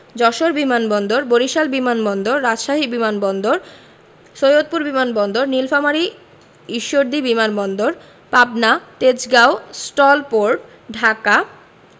যশোর বিমান বন্দর বরিশাল বিমান বন্দর রাজশাহী বিমান বন্দর সৈয়দপুর বিমান বন্দর নিলফামারী ঈশ্বরদী বিমান বন্দর পাবনা তেজগাঁও স্টল পোর্ট ঢাকা